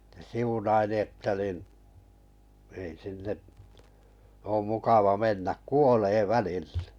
se siunaili että niin ei sinne ole mukava mennä kuolee välille